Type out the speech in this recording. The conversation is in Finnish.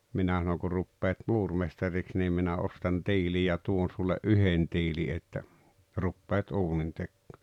minä sanoin kun rupeat muurimestariksi niin minä ostan tiili ja tuon sulle yhden tiilen että rupeat uunintekoon